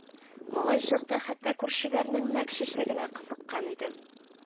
Малай чакта хәтта күршеләрнең мәк чәчәгенә кызыккан идем